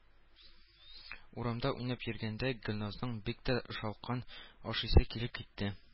Урамда уйнап йөргәндә Гөльназның бик тә шалкан ашыйсы килеп китте